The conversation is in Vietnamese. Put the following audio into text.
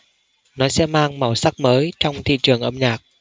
nó sẽ mang màu sắc mới trong thị trường âm nhạc